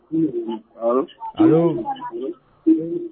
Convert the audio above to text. Un